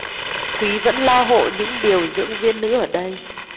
thúy vẫn lo hộ những điều dưỡng viên nữ ở đây